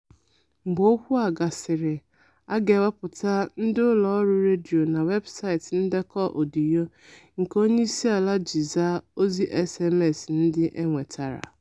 Mgbe okwu a gasịrị, a ga-ewepụtara ndị ụlọọrụ redio na webụsaịtị ndekọ ọdịyo nke onyeisiala ji zaa ozi SMS ndị e nwetara.